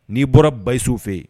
N'i bɔra Bayisu fe ye